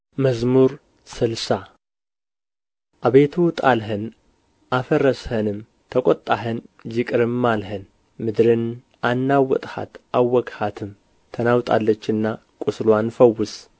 መዝሙር ስልሳ አቤቱ ጣልኸን አፈረስኸንም ተቈጣኸን ይቅርም አልኸን ምድርን አናወጥሃት አወክሃትም ተናውጣለችና ቍስልዋን ፈውስ